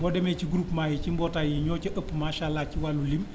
boo demee ci groupement yi ci mbootaay yi ñoo ca ëpp macha allah ci wàllu lim